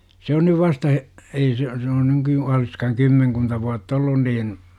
se on nyt vasta he ei se se on - olisikohan kymmenkunta vuotta ollut niin